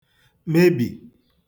mebì